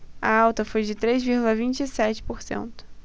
a alta foi de três vírgula vinte e sete por cento